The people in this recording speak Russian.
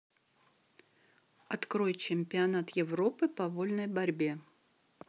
открой чемпионат европы по вольной борьбе